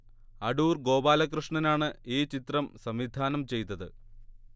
അടൂർ ഗോപാലകൃഷ്ണനാണ് ഈ ചിത്രം സംവിധാനം ചെയ്തത്